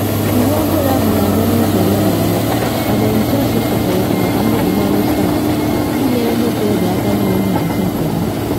Iwu ọhụrụ ahụ na abịa n’izu ole ma ole ka Boris Johnson kpọchara oku maka mgbubi n’ọrụ stampụ iji nyere ndị ntorobịa aka ịnwe ụlọ izizi nke ha.